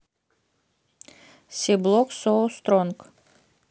сиблок соу стронг